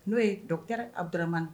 N'o ye docteur Abudaramani